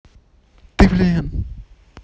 ты блин